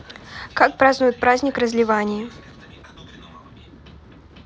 как празднуют праздник разливании